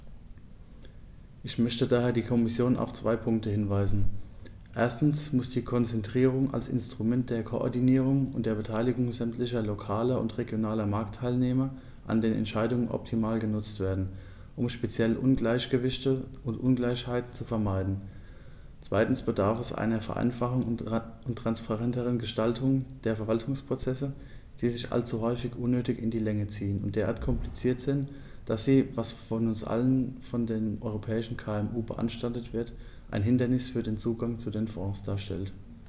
Ich möchte daher die Kommission auf zwei Punkte hinweisen: Erstens muss die Konzertierung als Instrument der Koordinierung und der Beteiligung sämtlicher lokaler und regionaler Marktteilnehmer an den Entscheidungen optimal genutzt werden, um speziell Ungleichgewichte und Ungleichheiten zu vermeiden; zweitens bedarf es einer Vereinfachung und transparenteren Gestaltung der Verwaltungsprozesse, die sich allzu häufig unnötig in die Länge ziehen und derart kompliziert sind, dass sie, was vor allem von den europäischen KMU beanstandet wird, ein Hindernis für den Zugang zu den Fonds darstellen.